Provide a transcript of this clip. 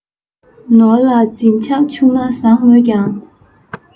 ནོར ལ འཛིན ཆགས ཆུང ན བཟང མོད ཀྱང